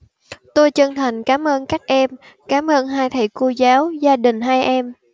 tôi chân thành cảm ơn các em cảm ơn hai thầy cô giáo gia đình hai em